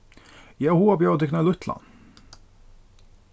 eg havi hug at bjóða tykkum ein lítlan